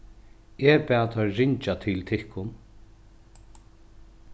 eg bað tær ringja til tykkum